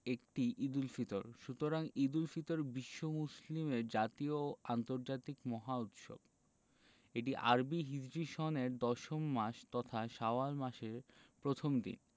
একটি ঈদুল ফিতর সুতরাং ঈদুল ফিতর বিশ্ব মুসলিমের জাতীয় ও আন্তর্জাতিক মহা উৎসব এটি আরবি হিজরি সনের দশম মাস তথা শাওয়াল মাসের প্রথম দিন